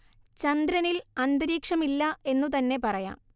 ചന്ദ്രനില്‍ അന്തരീക്ഷം ഇല്ല എന്നു തന്നെ പറയാം